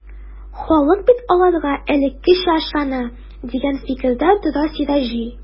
Халык бит аларга элеккечә ышана, дигән фикердә тора Сираҗи.